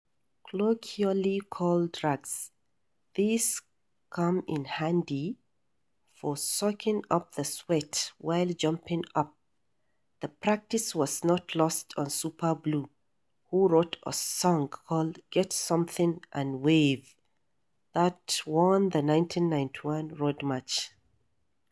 Colloquially called "rags", these come in handy for soaking up the sweat while "jumping up". The practice was not lost on Super Blue, who wrote a song called "Get Something and Wave", that won the 1991 Road March.